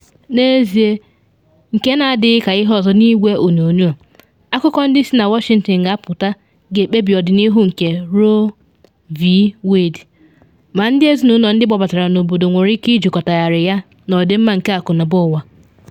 N’ezie, nke na adịghị ka ihe ọzọ na Igwe onyonyoo, akụkọ ndị si na Washington apụta ga-ekpebi ọdịnihu nke Roe v. Wade, ma ndị ezinụlọ ndị gbabatara n’obodo nwere ike ijikọtagharị yana ọdịmma nke akụnụba ụwa.